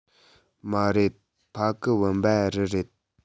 མ རེད ཕ གི བུམ པ རི རེད